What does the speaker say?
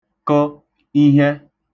kə̣ ihẹ